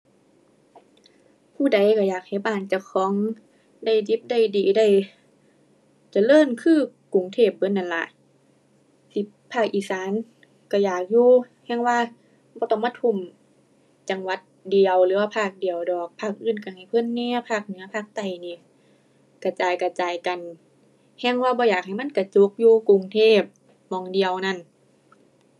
ผู้ใดก็อยากให้บ้านเจ้าของได้ดิบได้ดี ได้เจริญคือกรุงเทพเบิดนั่นล่ะ สิภาคอีสานก็อยากอยู่ แฮ่งว่าบ่ต้องมาทุ่มจังหวัดเดียวหรือว่าภาคเดียวดอก ภาคอื่นก็ให้เพิ่นแหน่ ภาคเหนือ ภาคใต้นี่ กระจายกระจายกัน แฮ่งว่าบ่อยากให้มันกระจุกอยู่กรุงเทพหม้องเดียวนั้น